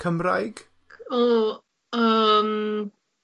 Cymraeg? O yym,